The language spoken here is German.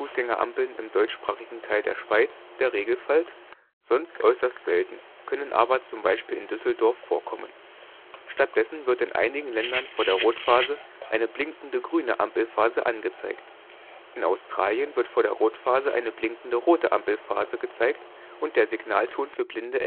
Fußgängerampeln im deutschsprachigen Teil der Schweiz der Regelfall, sonst äußerst selten, können aber, z. B. in Düsseldorf, vorkommen. Stattdessen wird in einigen Ländern vor der Rotphase eine blinkende grüne Ampelphase angezeigt. In Australien wird vor der Rotphase eine blinkende rote Ampelphase gezeigt und der Signalton für Blinde